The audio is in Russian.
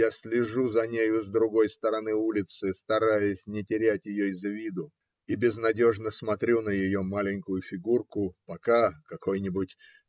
я слежу за нею с другой стороны улицы, стараясь не терять ее из вида, и безнадежно смотрю на ее маленькую фигурку, пока какой-нибудь.